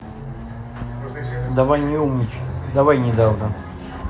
давай не умничай давай недавно